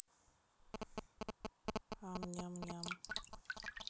ам ням ням